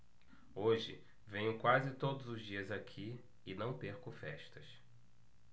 hoje venho quase todos os dias aqui e não perco festas